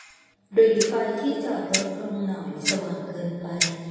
หรี่ไฟที่จอดรถลงหน่อยสว่างเกินไป